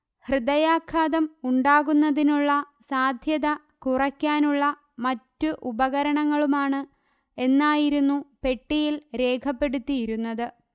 ഹൃദയാഘാതം ഉണ്ടാകുന്നതിനുള്ള സാധ്യത കുറയ്ക്കാനുള്ള മറ്റു ഉപകരണങ്ങളുമാണ് എന്നായിരുന്നു പെട്ടിയില് രേഖപ്പെടുത്തിയിരുന്നത്